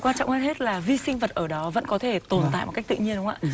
quan trọng hơn hết là vi sinh vật ở đó vẫn có thể tồn tại một cách tự nhiên đúng không ạ